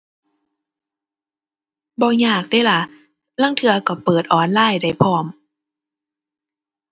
บ่ยากเดะล่ะ ลางเทื่อก็เปิดออนไลน์ได้พร้อม